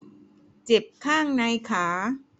เจ็บข้างในขา